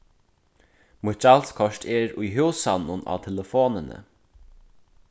mítt gjaldskort er í húsanum á telefonini